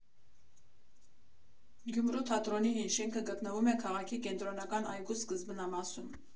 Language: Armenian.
Գյումրու թատրոնի հին շենքը գտնվում է քաղաքի կենտրոնական այգու սկզբնամասում։